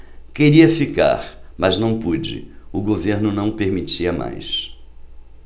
queria ficar mas não pude o governo não permitia mais